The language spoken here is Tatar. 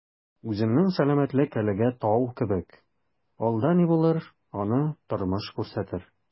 Үземнең сәламәтлек әлегә «тау» кебек, алда ни булыр - аны тормыш күрсәтер...